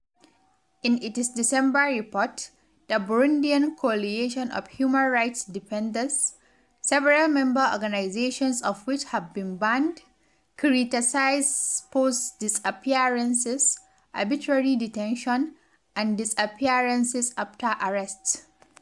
In its December report, the Burundian Coalition of Human Rights Defenders — several member organizations of which have been banned — criticized forced disappearances, arbitrary detention, and disappearances after arrest.